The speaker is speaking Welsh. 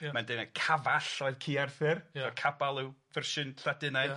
Ia... mae'n deud mai Cafall oedd ci Arthur. Ia. A Cabal yw fersiwn Lladinaidd. Ia.